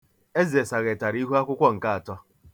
Eze saghetere ihuakwụkwọ nke atọ